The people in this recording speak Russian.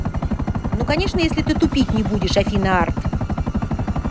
ну конечно если ты тупить не будешь афина арт